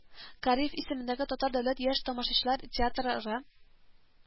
Кариев исемендәге Татар дәүләт яшь тамашачылар театры Ры